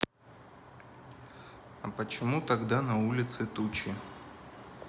а почему тогда на улице тучи